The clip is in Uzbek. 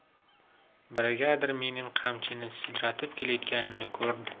brigadir mening qamchini sudratib kelayotganimni ko'rdi